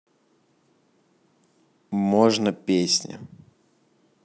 можно песни